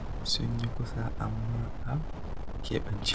Sun yi kusa, amma a keɓance